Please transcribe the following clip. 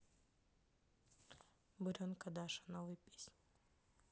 буренка даша новые песни